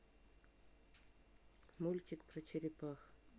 мультик про черепах